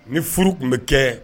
Ni furu tun bɛ kɛ